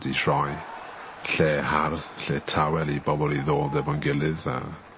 ...'di rhoi lle hardd lle tawel i bobol i ddod efo'n gilydd a